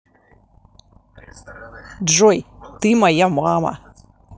джой ты моя мама